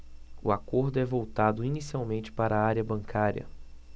o acordo é voltado inicialmente para a área bancária